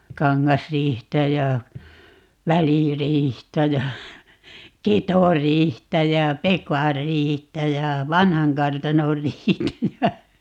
Kangasriihtä ja Väliriihtä ja Ketoriihtä ja Pekanriihtä ja Vanhankartanonriihtä ja